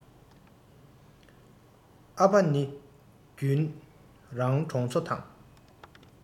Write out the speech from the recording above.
ཨ ཕ ནི རྒྱུན རང གྲོང ཚོ དང